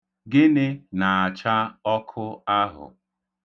Gịnị na-acha ọkụ ahụ?